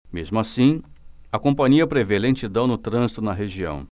mesmo assim a companhia prevê lentidão no trânsito na região